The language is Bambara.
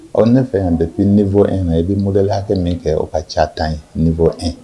Ɔ ne fɛ yan bɛfin ni fɔ e na i bɛ mola hakɛ min kɛ o ka ca tan ye ni fɔ e